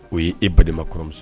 O y yee baden kɔrɔmuso